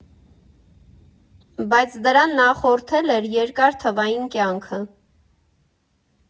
Բայց դրան նախորդել էր երկար թվային կյանքը.